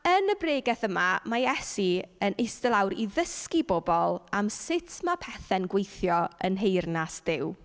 Yn y bregeth yma, mae Iesu yn eistedd lawr i ddysgu pobl am sut mae pethau'n gweithio yn nheyrnas Duw.